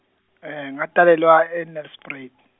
ngatalelwa e- Nelspruit.